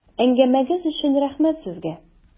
Әңгәмәгез өчен рәхмәт сезгә!